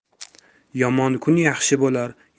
yomon kun yaxshi bo'lar